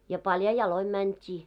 ja paljain jaloin mentiin